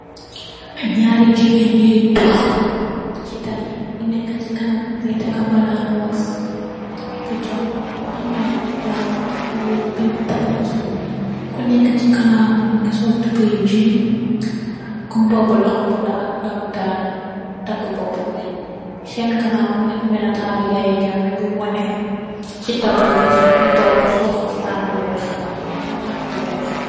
Nyari gigeen ñui dokh si talli kuneka si kanam mungi taka malani wax bu jaw bu am ayy flower mbuba bu pink takk mussor kuneka si ganaw mom mungi sol tuboyi jin mbuba bu loxobu domi tall sen ganaw mungi ameh natalu Yaya jammeh buy waneh si kaw tablobi mungi tok sol xaftan bu wekh ak mbaxana bu wekh.